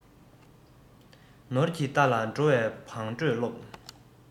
ནོར གྱི རྟ ལ འགྲོ བའི བང འགྲོས སློབས